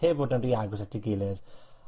heb fod yn rhy agos at 'i gilydd.